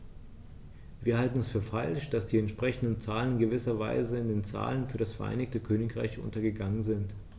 Wir halten es für falsch, dass die entsprechenden Zahlen in gewisser Weise in den Zahlen für das Vereinigte Königreich untergegangen sind.